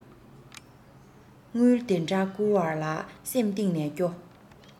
དངུལ འདི འདྲ བསྐུར བ ལ སེམས གཏིང ནས སྐྱོ